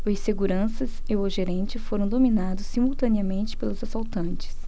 os seguranças e o gerente foram dominados simultaneamente pelos assaltantes